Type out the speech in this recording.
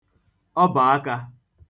ọbọ̀akā